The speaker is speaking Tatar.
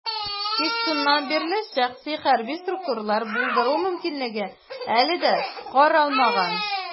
Тик шуннан бирле шәхси хәрби структуралар булдыру мөмкинлеге әле дә каралмаган.